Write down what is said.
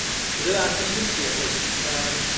Fedrai dall' be' sy gen ti achos achos yym